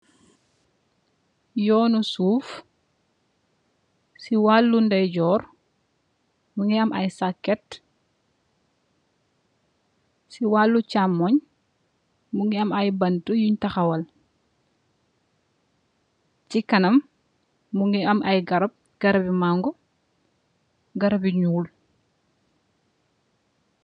Yonn neh soof , si walum ndeyjoor , mugeh emm aya sajet , si walum jabug mugeh emm aya banteh yonn taha wal si kanam mugeh emm aye garab , garab bi mango , garab bu null.